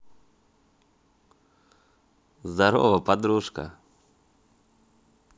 здорово подружка